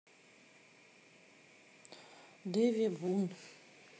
деви бун